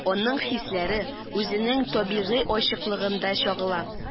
Аның хисләре үзенең табигый ачыклыгында чагыла.